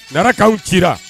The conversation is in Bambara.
Nanakawaw cira